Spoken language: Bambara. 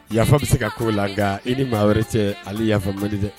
Yafa bɛ se ka k'o la nka i ni maa wɛrɛ cɛ ale yafa man di dɛ